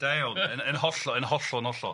Da iawn, yn yn hollol, yn hollol yn hollol.